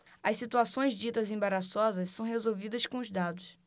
as situações ditas embaraçosas são resolvidas com os dados